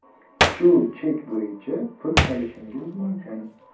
shu chek bo'yicha pul olishingiz mumkin